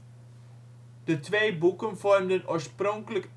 twee boeken vormden oorspronkelijk